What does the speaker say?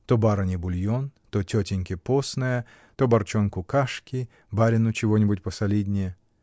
То барыне бульон, то тетеньке постное, то барчонку кашки, барину чего-нибудь посолиднее.